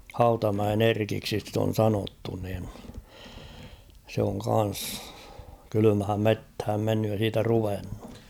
Hautamäen Erkiksi sitä on sanottu niin se on kanssa kylmään metsään mennyt ja siitä ruvennut